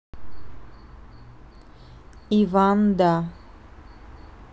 иван da